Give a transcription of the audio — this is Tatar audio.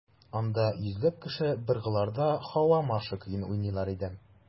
Анда йөзләп кеше быргыларда «Һава маршы» көен уйныйлар иде.